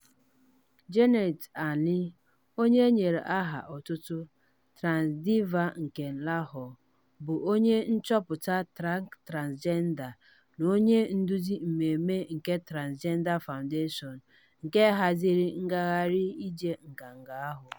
Jannat Ali, onye e nyere aha otutu Trans Diva nke Lahore, bụ onye nchọputa Track Transgender na Onye Nduzi Mmemme nke Sathi Foundation nke haziri Ngagharị Ije Nganga ahụ.